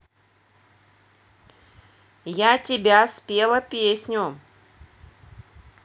я тебя спела песню